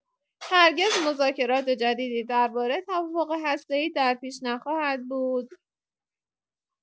هرگز مذاکرات جدیدی درباره توافق هسته‌ای در پیش نخواهد بود.